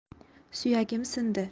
suyagim sindi